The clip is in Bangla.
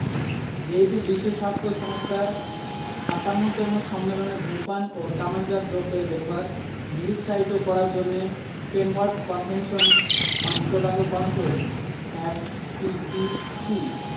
যেহেতু বিশ্বস্বাস্থ্য সংস্থার ৫৬তম সম্মেলনে ধূমপান ও তামাকজাত দ্রব্যের ব্যবহার নিরুৎসাহিত করার জন্য framework convention on tobacco control F C T C